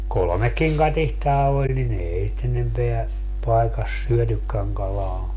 kolmekin katiskaa oli niin ei sitä enempää paikassa syötykään kalaa